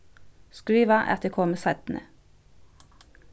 skriva at eg komi seinni